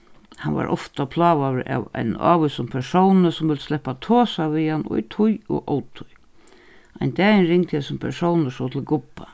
hann var ofta plágaður av einum ávísum persóni sum vildi sleppa at tosa við hann í tíð og ótíð ein dagin ringdi hesin persónur so til gubba